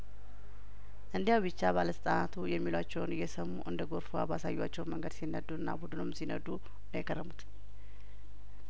እንዲያው ብቻ ባለስልጣናቱ የሚሏቸውን እየሰሙ እንደጐርፍ ውሀ ባሳዩዋቸው መንገድ ሲነዱና ቡድኑም ሲነዱ ነው የከረሙት